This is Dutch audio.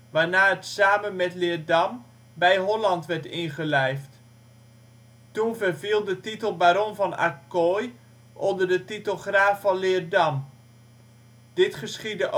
waarna het samen met Leerdam, bij Holland werd ingelijfd. Toen verviel de titel Baron van Acquoy onder de titel Graaf van Leerdam. Dit geschiedde